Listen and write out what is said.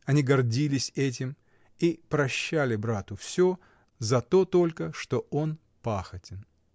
Они гордились этим и прощали брату всё за то только, что он Пахотин.